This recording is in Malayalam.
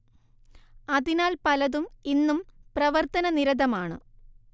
അതിൽ പലതും ഇന്നും പ്രവർത്തനനിരതമാണ്